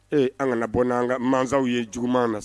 Ee an kana bɔ nan ka maasaw ye juguman na